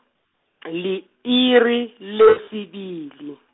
li-iri lesibili.